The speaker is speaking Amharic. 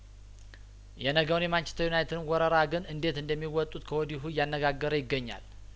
የነገውን የማንቸስተር ዩናትድን ወረራ ግን እንዴት እንደሚወጡት ከወዲሁ እያነጋገረ ይገኛል